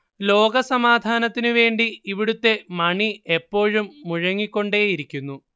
ലോക സമാധാനത്തിനു വേണ്ടി ഇവിടുത്തെ മണി എപ്പോഴും മുഴങ്ങിക്കൊണ്ടേയിരിക്കുന്നു